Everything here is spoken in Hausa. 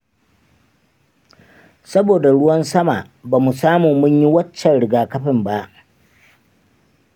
saboda ruwan sama ba mu samu mun yi waccan rigakafin ba.